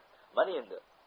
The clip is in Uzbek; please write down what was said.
mana endi